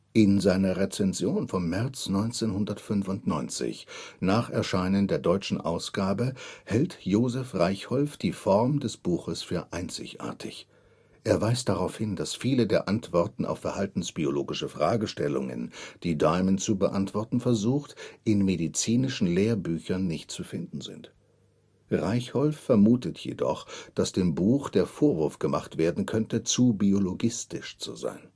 In seiner Rezension vom März 1995 – nach Erscheinen der deutschen Ausgabe – hält Josef Reichholf die Form des Buches für einzigartig. Er weist darauf hin, dass viele der Antworten auf verhaltensbiologische Fragestellungen, die Diamond zu beantworten versucht, in medizinischen Lehrbüchern nicht zu finden sind. Reichholf vermutet jedoch, dass dem Buch der Vorwurf gemacht werden könnte, zu biologistisch zu sein